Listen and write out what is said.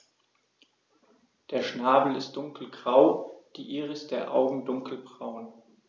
Der Schnabel ist dunkelgrau, die Iris der Augen dunkelbraun.